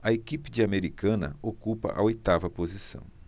a equipe de americana ocupa a oitava posição